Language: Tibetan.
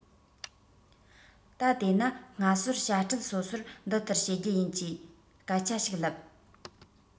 ད དེས ན སྔ སོར བྱ སྤྲེལ སོ སོར འདི ལྟར བྱེད རྒྱུ ཡིན གྱི སྐད ཆ ཞིག ལབ